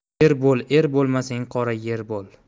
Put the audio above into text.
er bo'l er bo'lmasang qora yer bo'l